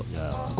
waaw